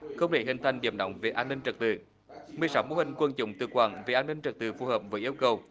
không để hình thành điểm nóng về an ninh trật tự mười sáu mô hình quần chúng tự quản về an ninh trật tự phù hợp với yêu cầu